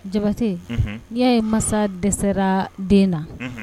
Jabate n y'a ye masa dɛsɛra den na